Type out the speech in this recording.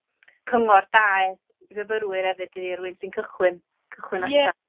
cyngor da yy i fyfyrwyr efyd i rywun sy'n cychwyn, cychwyn allan. Ie.